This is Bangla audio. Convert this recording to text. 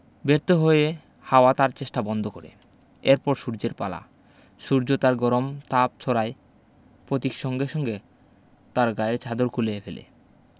ব্যর্থ হয়ে হাওয়া তার চেষ্টা বন্ধ করে এর পর সূর্যের পালা সূর্য তার গরম তাপ ছড়ায় পতিক সঙ্গে সঙ্গে তার গায়ের চাদর খুলে ফেলে